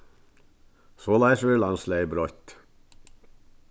soleiðis verður landslagið broytt